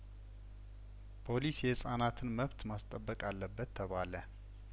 ፓሊስ የህጻናትን መብት ማስጠበቅ አለበት ተባለ